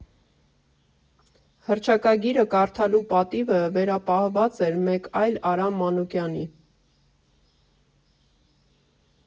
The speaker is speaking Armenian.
Հռչակագիրը կարդալու պատիվը վերապահված էր մեկ այլ Արամ Մանուկյանի։